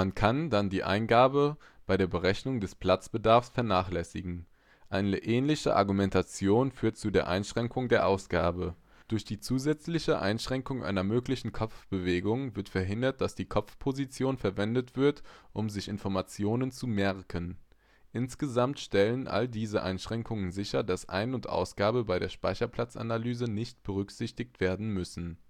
kann dann die Eingabe bei der Berechnung des Platzbedarfs vernachlässigen. Eine ähnliche Argumentation führt zu der Einschränkung der Ausgabe. Durch die zusätzliche Einschränkung einer möglichen Kopfbewegung wird verhindert, dass die Kopfposition verwendet wird, um sich Information zu „ merken “. Insgesamt stellen all diese Einschränkungen sicher, dass Ein - und Ausgabe bei der Speicherplatzanalyse nicht berücksichtigt werden müssen